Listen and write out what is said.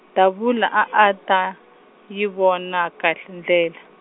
Davula a a ta, yi vona kahle ndlela.